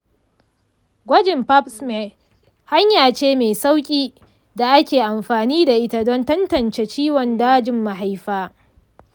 gwajin pap smear hanya ce mai sauƙi da ake amfani da ita don tantance ciwon dajin mahaifa.